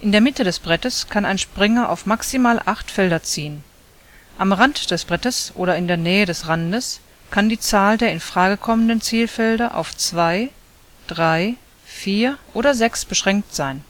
der Mitte des Brettes kann ein Springer auf maximal acht Felder ziehen, am Rand des Brettes oder in der Nähe des Randes kann die Zahl der in Frage kommenden Zielfelder auf zwei, drei, vier oder sechs beschränkt sein